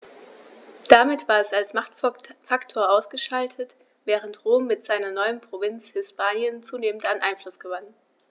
Damit war es als Machtfaktor ausgeschaltet, während Rom mit seiner neuen Provinz Hispanien zunehmend an Einfluss gewann.